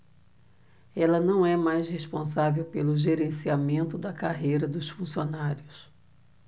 ela não é mais responsável pelo gerenciamento da carreira dos funcionários